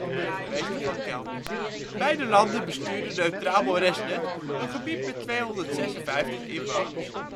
Burgemeester van Kelmis. Beide landen bestuurden Neutraal Moresnet, een gebied met 256 inwoners. In 1830, toen